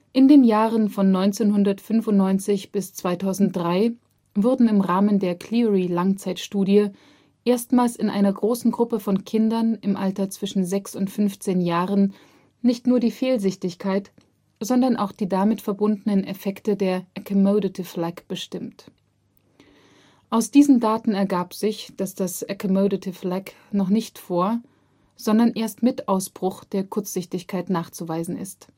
In den Jahren von 1995 bis 2003 wurden im Rahmen der CLEERE-Langzeitstudie erstmals in einer großen Gruppe von Kindern im Alter zwischen 6 und 15 Jahren nicht nur die Fehlsichtigkeit, sondern auch die damit verbundenen Effekte des accommodative lag bestimmt. Aus diesen Daten ergab sich, dass das accommodative lag noch nicht vor, sondern erst mit Ausbruch der Kurzsichtigkeit nachzuweisen ist